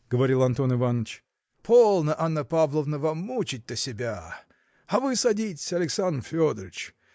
– говорил Антон Иваныч, – полно, Анна Павловна, вам мучить-то себя! А вы садитесь, Александр Федорыч